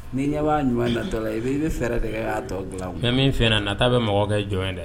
Ni'i ɲɛ'a ɲuman latɔ i b i bɛ fɛɛrɛ dɛ'a tɔ nka min fɛ na na taa bɛ mɔgɔ kɛ jɔn ye dɛ